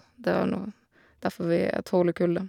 Det er vel noe derfor vi tåler kulde.